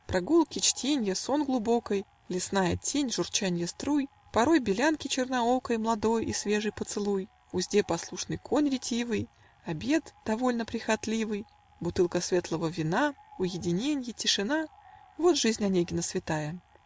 Прогулки, чтенье, сон глубокой, Лесная тень, журчанье струй, Порой белянки черноокой Младой и свежий поцелуй, Узде послушный конь ретивый, Обед довольно прихотливый, Бутылка светлого вина, Уединенье, тишина: Вот жизнь Онегина святая